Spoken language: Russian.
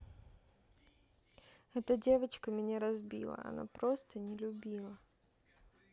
эта девочка меня разбила она просто не любила